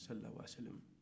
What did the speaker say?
arabe